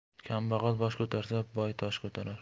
kambag'al bosh ko'tarsa boy tosh ko'tarar